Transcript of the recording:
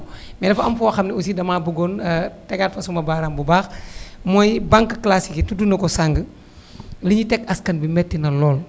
mais dafa am foo xam ni aussi damaa bëggoon tegaat fa sama baaraam bu baax mooy banque classique yi tudd na ko sànq li ñuy teg askan wi métti na lool